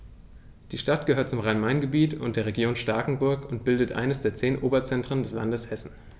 Die Stadt gehört zum Rhein-Main-Gebiet und der Region Starkenburg und bildet eines der zehn Oberzentren des Landes Hessen.